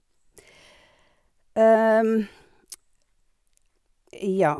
Ja.